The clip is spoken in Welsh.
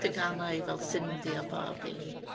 Tegannau fel Cindy a Barbie.